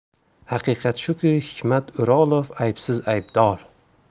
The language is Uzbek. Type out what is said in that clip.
haqiqat shuki hikmat o'rolov aybsiz aybdor